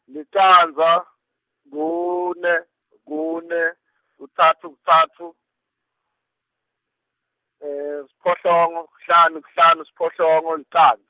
licandza, kune, kune, kutsatfu, kutsatfu, siphohlongo, kuhlanu, kuhlanu, siphohlongo, licandza.